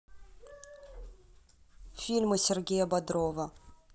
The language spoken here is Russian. фильмы сергея бодрова